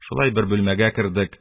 Шулай бер бүлмәгә кердек.